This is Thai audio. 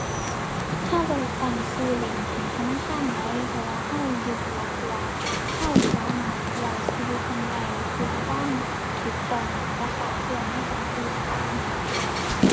เราบ่ได้ตั้งเราเล่นให้ธนาคารใด เพราะว่าเรายึดหลักว่าเราสามารถเว้าเราเพิ่นได้เพื่อความเราต้อง แล้วเราบ่คลาดเคลื่อนในการสื่อสาร